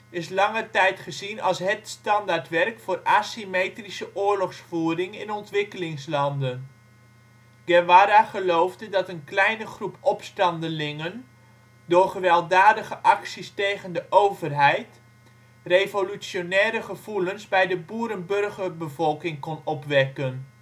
is lange tijd gezien als het standaardwerk voor asymmetrische oorlogsvoering in ontwikkelingslanden. Guevara geloofde dat een kleine groep opstandelingen, door gewelddadige acties tegen de overheid, " revolutionaire gevoelens " bij de boerenburgerbevolking kon opwekken